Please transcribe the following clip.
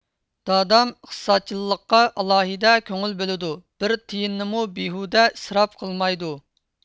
دادام ئىقتىسادچىللىققا ئالاھىدە كۆڭۈل بۆلىدۇ بىر تىيىننىمۇ بىھۇدە ئىسراپ قىلمايدۇ